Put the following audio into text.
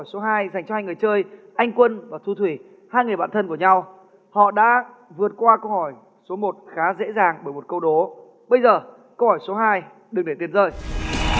số hai dành cho người chơi anh quân và thu thủy hai người bạn thân của nhau họ đã vượt qua câu hỏi số một khá dễ dàng bởi một câu đố bây giờ câu hỏi số hai đừng để tiền rơi